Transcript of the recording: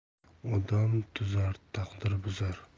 odam tuzar taqdir buzar